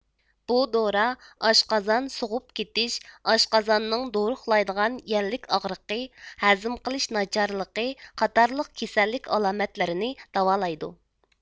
بۇ دورا ئاشقازان سوغۇپ كېتىش ئاشقازاننىڭ دوروقلايدىغان يەللىك ئاغرىقى ھەزىم قىلىش ناچارلىقى قاتارلىق كېسەللىك ئالامەتلىرىنى داۋالايدۇ